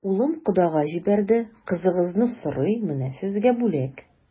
Улым кодага җибәрде, кызыгызны сорый, менә сезгә бүләк.